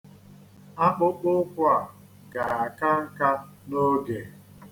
Akpụkpọụkwụ a ga-aka nka n'oge.